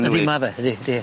Yndi ma' fe ydi ydi.